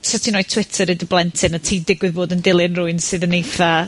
'sa ti'n roi Twitter i dy blentyn a ti'n digwydd fod yn dilyn rywun sydd yn eitha...